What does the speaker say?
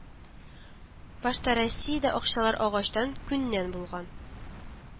Башта Россиядә акчалар агачтан, күннән булган